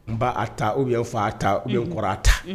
N' a ta u' fa a ta u bɛ kɔrɔ a ta